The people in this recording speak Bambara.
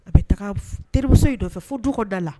A bɛ taa terimuso in nɔfɛ fo du kɔnɔna la